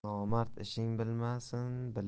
nomard ishing bilmasin